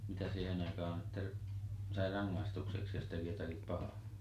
mitä siihen aikaan sitten sai rangaistukseksi jos teki jotakin pahaa